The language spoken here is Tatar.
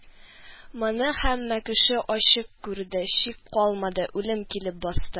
Моны һәммә кеше ачык күрде, шик калмады, үлем килеп басты